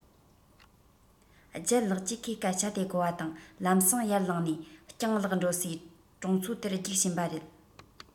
ལྗད ལགས ཀྱིས ཁོའི སྐད ཆ དེ གོ བ དང ལམ སེང ཡར ལངས ནས སྤྱང ལགས འགྲོ སའི གྲོང ཚོ དེར རྒྱུགས ཕྱིན པ རེད